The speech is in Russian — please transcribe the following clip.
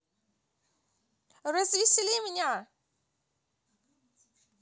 развесели меня